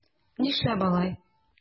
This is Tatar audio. Нишләп алай?